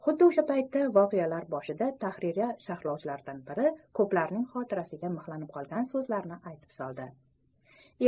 xuddi o'sha paytda voqealar boshida tahririya sharhlovchilaridan biri ko'plarning xotirasiga mixlanib qolgan so'zlarni aytib soldi